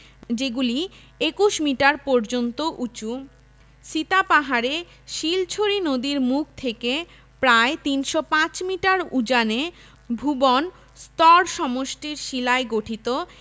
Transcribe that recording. যেগুলি ২১ মিটার পর্যন্ত উঁচু সীতাপাহাড়ে শিলছড়ি নদীর মুখ থেকে প্রায় ৩০৫ মিটার উজানে ভূবন স্তরসমষ্টির শিলায় গঠিত